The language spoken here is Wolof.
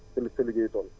sa sa liggéeyu tool